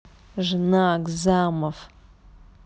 жена агзамов